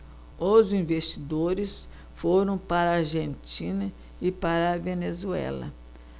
os investidores foram para a argentina e para a venezuela